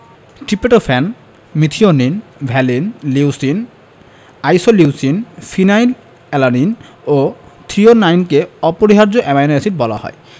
tryptophan methionine valine leucine isoleucine phenylalanine ও থ্রিওনাইনকে অপরিহার্য অ্যামাইনো এসিড বলা হয়